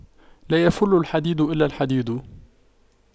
لا يَفُلُّ الحديد إلا الحديد